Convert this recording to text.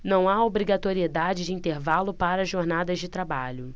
não há obrigatoriedade de intervalo para jornadas de trabalho